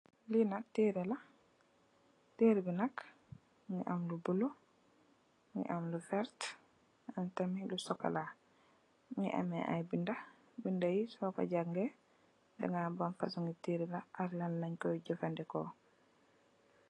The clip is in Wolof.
Li nak tereh la, tereh bi nak mungi am lu bulo, mungi am lu verte, mungi am tamit lu sokola. Mungi ame ay binda, binda yi soku jangee danga xam ak lañ lañkoi jefandikoo.